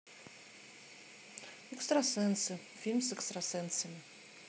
экстрасенсы фильм с экстрасенсами